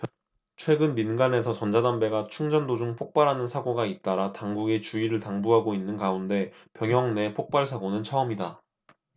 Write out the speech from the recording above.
최근 민간에서 전자담배가 충전 도중 폭발하는 사고가 잇따라 당국이 주의를 당부하고 있는 가운데 병영 내 폭발 사고는 처음이다